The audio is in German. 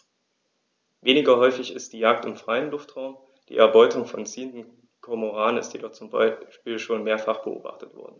Weniger häufig ist die Jagd im freien Luftraum; die Erbeutung von ziehenden Kormoranen ist jedoch zum Beispiel schon mehrfach beobachtet worden.